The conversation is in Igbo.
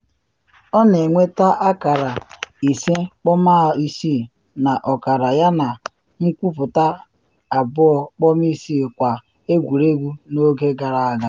Ọ na enweta akara 5.6 n’ọkara yana nkụpụta 2.6 kwa egwuregwu n’oge gara aga.